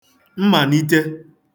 mmànite